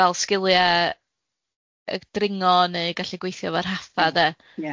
fel sgilia yy dringo neu gallu gweithio 'fo rhaffa 'de